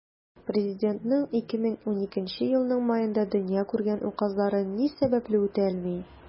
Президентның 2012 елның маенда дөнья күргән указлары ни сәбәпле үтәлми?